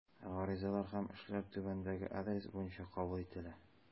Гаризалар һәм эшләр түбәндәге адрес буенча кабул ителә.